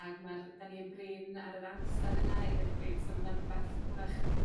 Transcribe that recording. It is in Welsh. ac ma'r... 'Dan ni yn brin ar yr amser yna i ddeud y gwir so ma' 'na rywbath 'w'rach